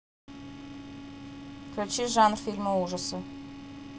включи жанр фильмы ужасы